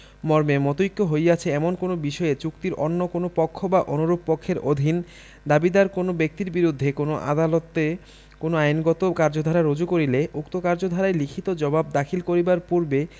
মর্মে মতৈক্য হইয়াছে এমন কোন বিষয়ে চুক্তির অন্য কোন পক্ষ বা অনুরূপ পক্ষের অধীন দাবিীদার কোন ব্যক্তির বিরুদ্ধে কোন আদালতে কোন আইনগত কার্যধারা রুজু করিলে উক্ত কার্যধারায় লিখিত জবাব দাখিল করিবার পূর্বে